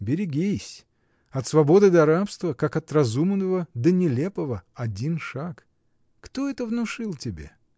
Берегись: от свободы до рабства, как от разумного до нелепого — один шаг! Кто это внушил тебе?